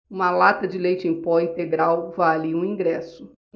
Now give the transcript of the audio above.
uma lata de leite em pó integral vale um ingresso